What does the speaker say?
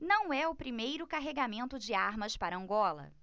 não é o primeiro carregamento de armas para angola